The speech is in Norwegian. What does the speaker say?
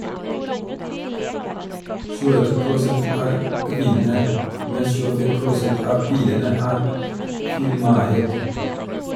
22 prosent er kvinner, mens 25 prosent av bilene er firmaeid.